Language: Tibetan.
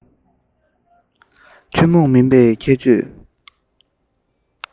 ཐུན མོང མིན པའི ཁྱད ཆོས